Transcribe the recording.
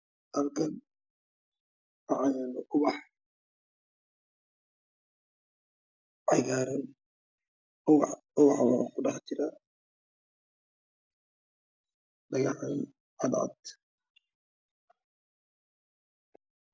Halkan waxa yaalo ubax cagaran ubaxa wuxu ku dhex jira dhagxyo cad cad